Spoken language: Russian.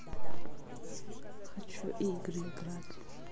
хочу игры играть